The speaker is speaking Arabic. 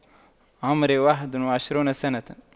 عمري واحد وعشرون سنة